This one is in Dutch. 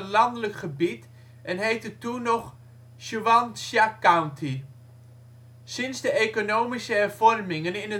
landelijk gebied en heette toen nog Chuansha County. Sinds de economische hervormingen in